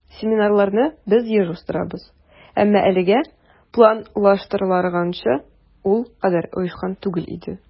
Семинарларны без еш уздырабыз, әмма әлегә планлаштырылганча ул кадәр оешкан түгел иде.